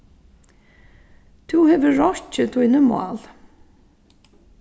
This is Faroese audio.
tú hevur rokkið tíni mál